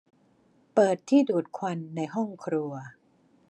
เปิดที่ดูดควันในห้องครัว